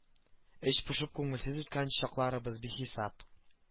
Эч пошып күңелсез үткән чакларыбыз бихисап